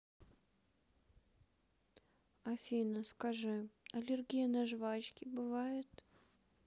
афина скажи аллергия на жвачке бывает